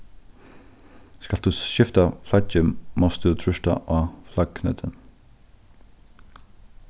skalt tú skifta flaggið mást tú trýsta á flaggknøttin